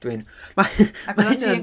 Dwi'n... ma' hyn- ma' hynna'n...